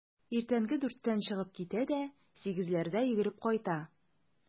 Иртәнге дүрттән чыгып китә дә сигезләрдә йөгереп кайта.